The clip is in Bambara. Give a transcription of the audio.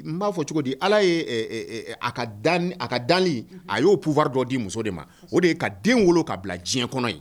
N b'a fɔ cogo di ala ye a a ka dalen a y'o pufa dɔ di muso de ma o de ye ka den wolo ka bila diɲɛ kɔnɔ yen